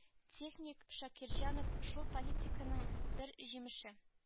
Техник шакирҗанов шул политиканың бер җимеше